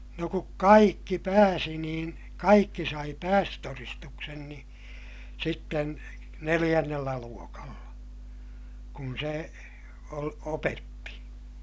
no kun kaikki pääsi niin kaikki sai päästötodistuksen niin sitten neljännellä luokalla kun se - opetti